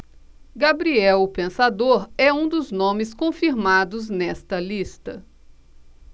gabriel o pensador é um dos nomes confirmados nesta lista